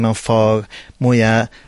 mewn ffor mwya